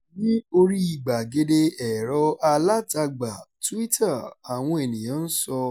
Ní oríi gbàgede ẹ̀rọ-alátagbà Twitter, àwọn ènìyàn ń sọ.